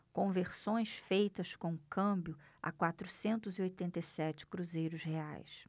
conversões feitas com câmbio a quatrocentos e oitenta e sete cruzeiros reais